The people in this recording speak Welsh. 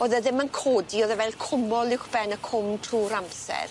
O'dd e ddim yn codi o'dd e fel cwmol uwchben y cwm trw'r amser.